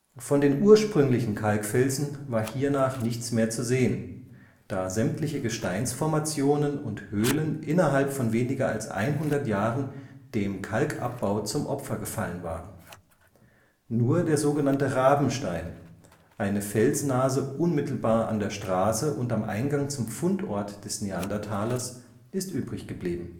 Von den ursprünglichen Kalkfelsen war hiernach nichts mehr zu sehen, da sämtliche Gesteinsformationen und Höhlen innerhalb von weniger als 100 Jahren dem Kalkabbau zum Opfer gefallen waren. Nur der sogenannte Rabenstein, eine Felsnase unmittelbar an der Straße und am Eingang zum Fundort des Neandertalers, ist übrig geblieben